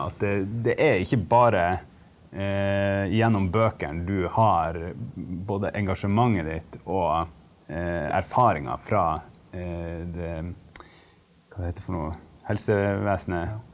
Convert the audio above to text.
at det det er ikke bare gjennom bøkene du har både engasjementet ditt og erfaringer fra det, hva det heter for noe, helsevesenet.